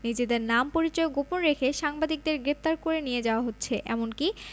নিজেদের নাম পরিচয় গোপন রেখে সাংবাদিকদের গ্রেপ্তার করে নিয়ে যাওয়া হচ্ছে এমনকি